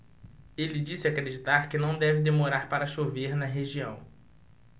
ele disse acreditar que não deve demorar para chover na região